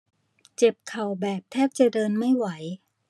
เจ็บเข่าแบบแทบจะเดินไม่ไหว